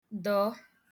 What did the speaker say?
dọ̀ọ